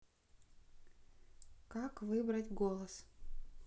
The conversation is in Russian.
как выбрать голос